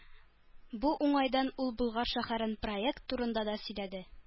Бу уңайдан ул Болгар шәһәрен проект турында да сөйләде.